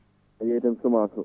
o yeeyi kam semence o